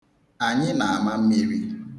Anyị na-ama mmiri.